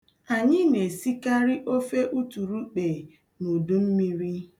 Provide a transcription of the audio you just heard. Anyị na-esikarị ofe uturukpe n'udu mmiri.